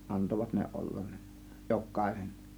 antoivat ne olla ne jokaisen